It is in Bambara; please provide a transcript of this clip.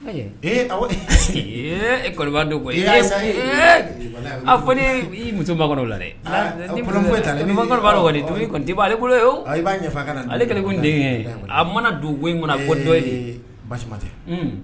E a muso la dɛ ni'ale bolo ale ko a mana don in kɔnɔ ko dɔ